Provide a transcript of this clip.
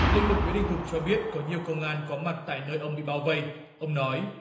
linh mục nguyễn đình thục cho biết có nhiều công an có mặt tại nơi ông bị bao vây ông nói